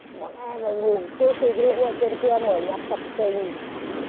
bọn em phải ngủ trước khi cái lũ ở trên kia mở nhạc sập sình